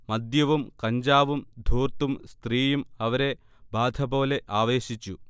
മദ്യവും കഞ്ചാവും ധൂർത്തും സ്ത്രീയും അവരെ ബാധപോലെ ആവേശിച്ചു